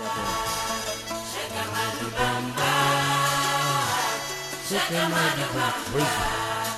Inɛ